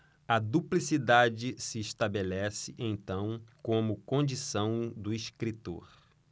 a duplicidade se estabelece então como condição do escritor